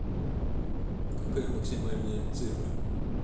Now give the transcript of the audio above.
какая максимальная цифра